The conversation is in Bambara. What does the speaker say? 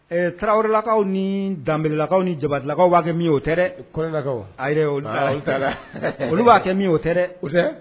Tarawelewrilakaw ni danblakaw ni jabarilakaw'a kɛ min o tɛɛkaw o da olu b'a kɛ min o tɛ